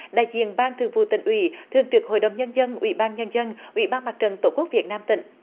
đại diện ban thường vụ tỉnh ủy thường trực hội đồng nhân dân ủy ban nhân dân ủy ban mặt trận tổ quốc việt nam tỉnh